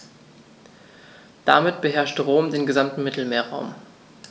Damit beherrschte Rom den gesamten Mittelmeerraum.